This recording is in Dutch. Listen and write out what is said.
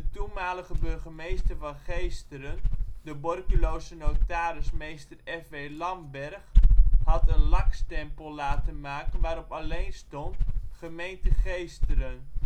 toenmalige burgemeester van Geesteren, de Borculose notaris mr. F.W. Lambergh, had een lakstempel laten maken waarop alleen stond: Gemeente Geesteren